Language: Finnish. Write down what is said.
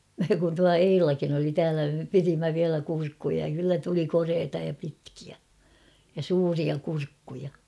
kun tuo Eilakin oli täällä me pidimme vielä kurkkuja ja kyllä tuli koreaa ja pitkiä ja suuria kurkkuja